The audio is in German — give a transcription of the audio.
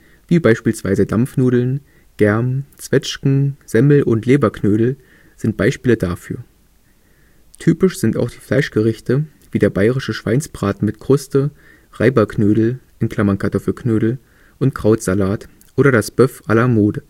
wie beispielsweise Dampfnudeln, Germ -, Zwetschgen -, Semmel - und Leberknödel sind Beispiele dafür. Typisch sind auch die Fleischgerichte wie der bayerische Schweinsbraten mit Kruste, Reiberknödel (Kartoffelknödel) und Krautsalat oder das Boeuf ala mode